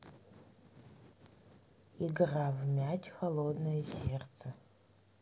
игра в мяч холодное сердце